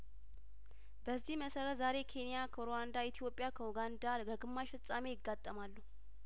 በዚህ መሰረት ዛሬ ኬንያ ከሩዋንዳ ኢትዮጵያ ከኡጋንዳ ለግማሽ ፍጻሜ ይጋጠማሉ